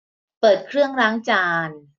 เปิดเครื่องล้างจาน